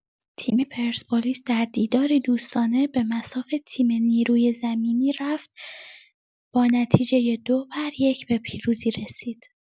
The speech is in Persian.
تیم پرسپولیس در دیداری دوستانه به مصاف تیم نیروی زمینی رفت با نتیجه ۲ بر ۱ به پیروزی رسید.